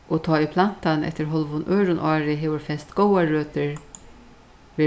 og tá ið plantan eftir hálvum øðrum ári hevur fest góðar røtur